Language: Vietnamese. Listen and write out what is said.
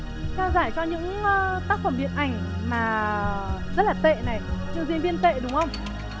trao giải cho những tác phẩm điện ảnh mà rất là tệ này như diễn viên tệ đúng không